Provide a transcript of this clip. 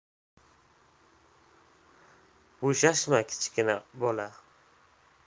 bo'shashma kichkina bola